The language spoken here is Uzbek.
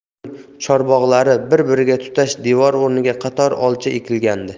ularning chorbog'lari bir biriga tutash devor o'rniga qator olcha ekilgandi